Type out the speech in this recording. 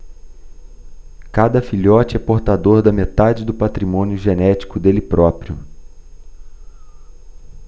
cada filhote é portador da metade do patrimônio genético dele próprio